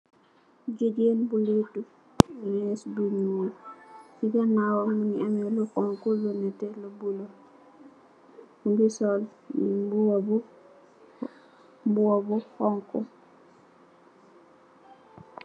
Gigain bu lehtu meeche bu njull, cii ganawam mungy ameh lu honhu, lu nehteh, lu bleu, mungy sol mbuba bu mbuba bu honhu.